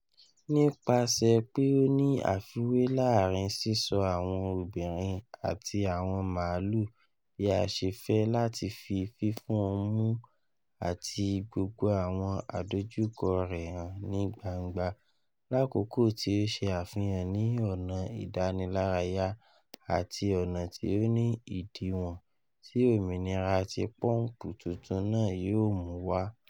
Nipasẹ pe o ni afiwe laarin sisọ awọn obinrin ati awọn maalu bi a ṣe fẹ lati fi fifun ọmu ati gbogbo awọn adojukọ rẹ han ni gbangba, lakoko ti o ṣe afihan ni ọna idanilaraya ati ọna ti o ni idiwọn ti ominira ti pọmpu tuntun naa yoo mu wa.